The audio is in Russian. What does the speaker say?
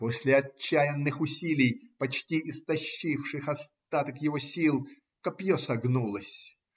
После отчаянных усилий, почти истощивших остаток его сил, копье согнулось